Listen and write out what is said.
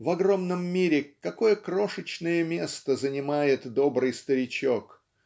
В огромном мире какое крошечное место занимает добрый старичок